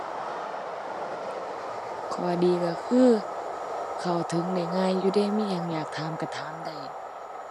ข้อดีก็คือ เข้าถึงได้ง่ายอยู่เดะ มีหยังอยากถามก็ถามได้